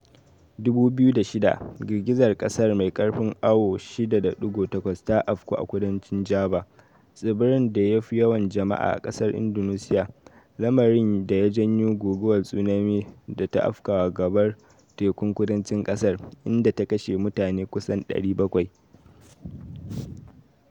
2006: Girgizar ƙasar mai ƙarfin awo 6.8 ta afku a kudancin Java, tsibirin da ya fi yawan jama'a a ƙasar Indonesiya, lamarin da ya janyo guguwar tsunami da ta afkawa gabar tekun kudancin kasar, inda ta kashe mutane kusan 700.